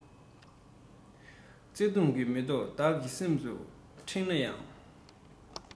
བརྩེ དུང གི མེ ཏོག བདག གི སེམས སུ འཁྲེན ན ཡང